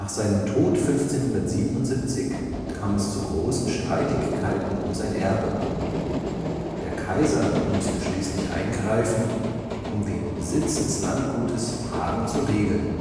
seinem Tod 1577 kam es zu großen Streitigkeiten um sein Erbe. Der Kaiser musste schließlich eingreifen, um den Besitz des Landgutes Hagen zu regeln